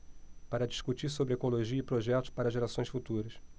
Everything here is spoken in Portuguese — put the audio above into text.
para discutir sobre ecologia e projetos para gerações futuras